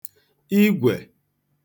igwè